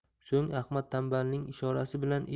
so'ng ahmad tanbalning ishorasi bilan